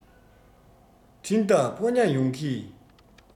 འཕྲིན བདག ཕོ ཉ ཡོང གི